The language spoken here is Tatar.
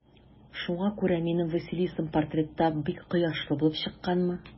Шуңа күрә минем Василисам портретта бик кояшлы булып чыкканмы?